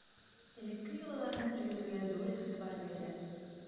Элекке йолаларны тергезүгә зур игътибар бирелә.